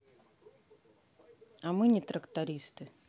а мы не трактористы